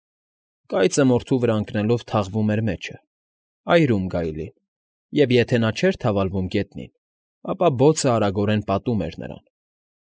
Կայծը մորթու վրա ընկնելով թաղվում էր մեջը, այրում գայլին, և եթե նա չէր թավալվում գետնին, ապա բոցն արագորեն պատում էր նրան։